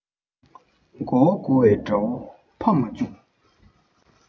མགོ བོ སྒུར བའི དགྲ བོ ཕམ མ བཅུག